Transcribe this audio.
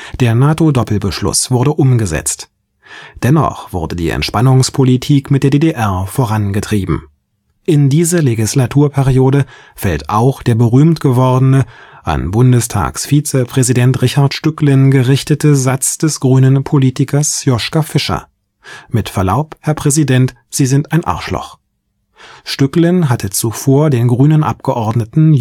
Der NATO-Doppelbeschluss wurde umgesetzt. Dennoch wurde die Entspannungspolitik mit der DDR vorangetrieben. In diese Legislaturperiode fällt auch der berühmt gewordene, an Bundestagsvizepräsident Richard Stücklen gerichtete Satz des Grünen-Politikers Joschka Fischer: „ Mit Verlaub, Herr Präsident, Sie sind ein Arschloch. “(Stücklen hatte zuvor den Grünen-Abgeordneten